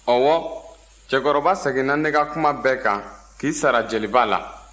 ɔwɔ cɛkɔrɔba seginna ne ka kuma bɛɛ kan k'i sara jeliba la